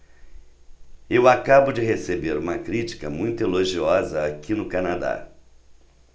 eu acabo de receber uma crítica muito elogiosa aqui no canadá